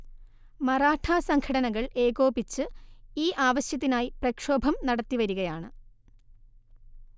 മറാഠാ സംഘടനകൾ ഏകോപിച്ച് ഈ ആവശ്യത്തിനായി പ്രക്ഷോഭം നടത്തിവരികയാണ്